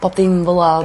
bob dim fel 'a...